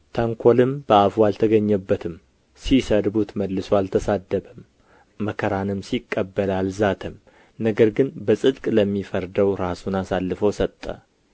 ተንኰልም በአፉ አልተገኘበትም ሲሰድቡት መልሶ አልተሳደበም መከራንም ሲቀበል አልዛተም ነገር ግን በጽድቅ ለሚፈርደው ራሱን አሳልፎ ሰጠ